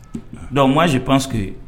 Dɔnkuc masi pansseke yen